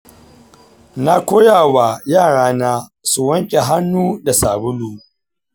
na koyawa yarana su wanke hanu da sabulu.